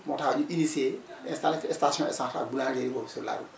moo tax ñu initier intallé fi station essence ak boulangerie boobu sur route